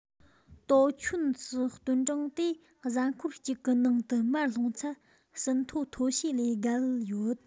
ཏའོ ཆོན སི སྟོན གྲངས དེས གཟའ འཁོར གཅིག གི ནང དུ མར ལྷུང ཚད ཟིན ཐོ མཐོ ཤོས ལས བརྒལ ཡོད